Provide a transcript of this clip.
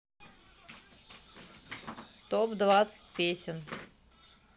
топ двадцать песен